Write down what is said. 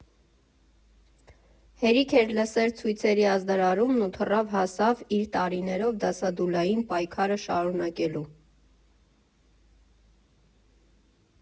Հերիք էր՝ լսեր ցույցերի ազդարարումն ու թռավ֊հասավ՝ իր տարիներով դասադուլային պայքարը շարունակելու։